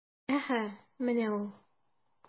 Әһә, менә ул...